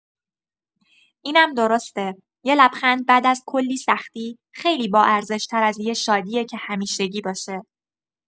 اینم درسته، یه لبخند بعد از کلی سختی، خیلی باارزش‌تر از یه شادیه که همیشگی باشه.